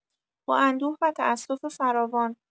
با اندوه و تاسف فراوان